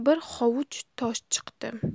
bir hovuch tosh chiqdi